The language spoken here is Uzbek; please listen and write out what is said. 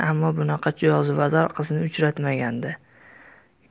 ammo bunaqa jozibador qizni uchratmagandi